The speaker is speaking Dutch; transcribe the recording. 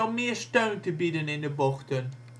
meer steun te bieden in de bochten